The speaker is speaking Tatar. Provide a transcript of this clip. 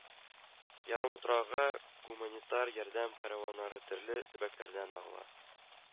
Ярымутрауга гуманитар ярдәм кәрәваннары төрле төбәкләрдән агыла